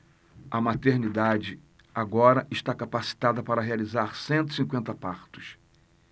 a maternidade agora está capacitada para realizar cento e cinquenta partos